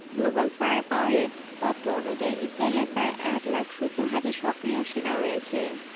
global fire পাওয়ারের তথ্য অনুযায়ী ইসরায়েলের প্রায় ১ লাখ ৭০ হাজার সক্রিয় সেনা রয়েছে